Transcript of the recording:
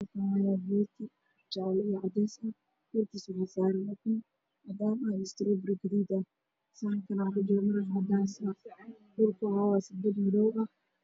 Halkaan waxaa yaalo rooti jaale iyo cadeys ah, korkiisa waxaa saaran istorobari gaduud ah, saxanka waxaa kujiro miro cadeys ah dhulka uu yaalana waa madow.